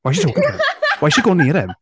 "Why's she talking to him? Why's she going near him?"